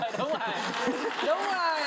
đúng ồi đúng ồi